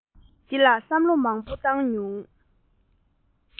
འདི ལ བསམ བློ མང པོ བཏང མྱོང